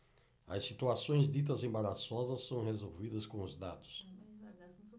as situações ditas embaraçosas são resolvidas com os dados